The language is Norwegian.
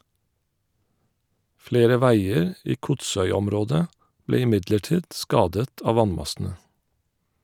Flere veier i Kotsøyområdet ble imidlertid skadet av vannmassene.